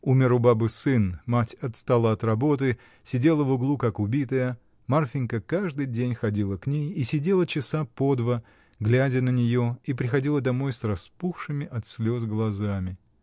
Умер у бабы сын, мать отстала от работы, сидела в углу как убитая, Марфинька каждый день ходила к ней и сидела часа по два, глядя на нее, и приходила домой с распухшими от слез глазами.